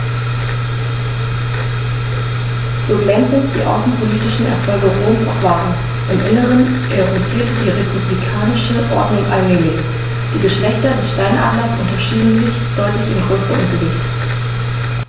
So glänzend die außenpolitischen Erfolge Roms auch waren: Im Inneren erodierte die republikanische Ordnung allmählich. Die Geschlechter des Steinadlers unterscheiden sich deutlich in Größe und Gewicht.